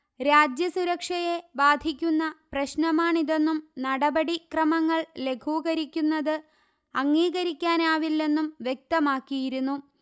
രാജ്യ സുരക്ഷയെ ബാധിക്കുന്ന പ്രശ്നമാണിതെന്നും നടപടി ക്രമങ്ങൾ ലഘൂകരിക്കുന്നത് അംഗീകരിക്കാനാവില്ലെന്നും വ്യക്തമാക്കിയിരുന്നു